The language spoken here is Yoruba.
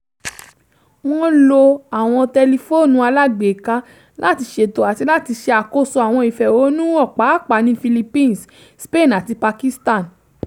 Wọ́n lo àwọn tẹlifóònù alágbèéká láti ṣètò àti láti ṣe àkóso àwọn ìfẹ̀hónúhàn – pàápàá ní Philippines, Spain àti Pakistan.